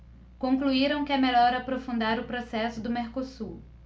concluíram que é melhor aprofundar o processo do mercosul